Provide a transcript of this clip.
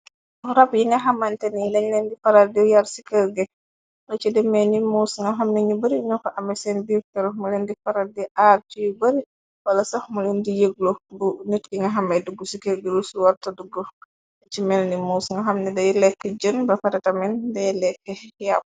Rab yi nga xamanta ne dañleen di faral di yar si kër yi, lu si demee ni mous, nga xam ne, ñu bari ñooko amee seen bir kër muleen di faral di aar ci yu bari, wala sax muleen di yëglo bu nit ki nga xamay duggee si kër gi the warut faa duggu. Lusi melni mous, nga xam ne day lekkë jën ba paré tam day leekë yàpp.